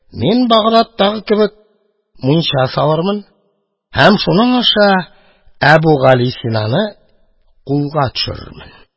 «мин багдадтагы кебек мунча салырмын һәм шуның аша әбүгалисинаны кулга төшерермен».